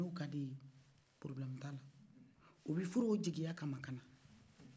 a b'a fɔ ba n'o ka d'i ye problɛm tala o bɛ furu o jikiya kama kana